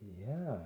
jaa